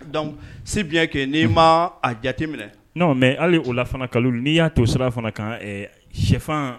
Sebi kɛ n' ma a jate minɛ n'a mɛ hali o la fana kalo n'i y'a too sira fana ka shɛfan